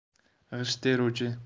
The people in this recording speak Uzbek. g'isht teruvchi